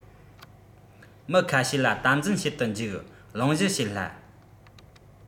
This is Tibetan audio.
མི ཁ ཤས ལ དམ འཛིན བྱེད དུ འཇུག གླེང གཞི བྱེད སླ